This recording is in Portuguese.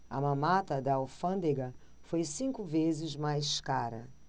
a mamata da alfândega foi cinco vezes mais cara